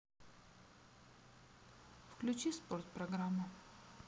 включить спорт программу